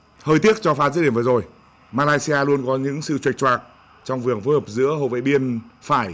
hơi tiếc cho pha dứt điểm vừa rồi ma lai si a luôn có những sự chệch choạc trong việc phối hợp giữa hậu vệ biên phải